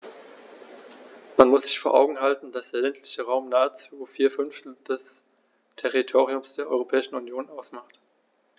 Man muss sich vor Augen halten, dass der ländliche Raum nahezu vier Fünftel des Territoriums der Europäischen Union ausmacht.